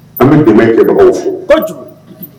An bɛ don kɛbagaw fo kojugu